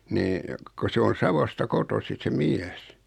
niin kun se on Savosta kotoisin se mies